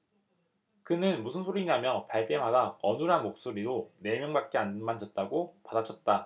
그는 무슨 소리냐며 발뺌하다 어눌한 목소리로 네 명밖에 안 만졌다고 받아쳤다